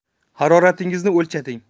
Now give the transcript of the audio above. haroratingizni o'lchating